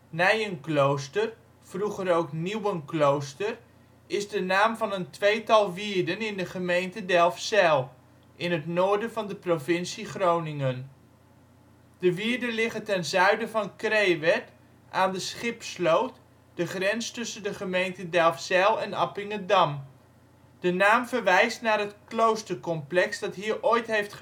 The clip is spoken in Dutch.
Nijenklooster, vroeger ook Nieuwenklooster, is de naam van een tweetal wierden in de gemeente Delfzijl, in het noorden van de provincie Groningen. De wierden liggen ten zuiden van Krewerd aan de Schipsloot, de grens tussen de gemeenten Delfzijl en Appingedam. De naam verwijst naar het kloostercomplex dat hier ooit heeft